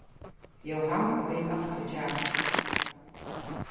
jóhan vil altíð kjakast